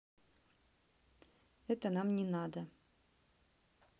это нам не надо